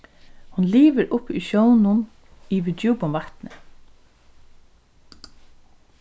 hon livir uppi í sjónum yvir djúpum vatni